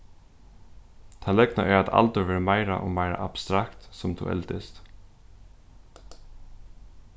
tað løgna er at aldur verður meira og meira abstrakt sum tú eldist